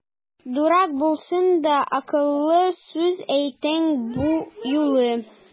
Дурак булсаң да, акыллы сүз әйттең бу юлы!